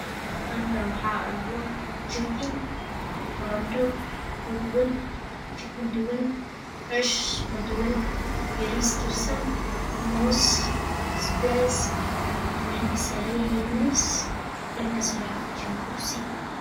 Halkaan waxa aalo jikin barandho oo duban jikin duban ceesh oo duban bariis karsan moos bisbaas waxeyna saran yihiin miis dhan kaasne waxa ka jiro kursi